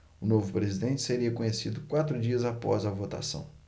o novo presidente seria conhecido quatro dias após a votação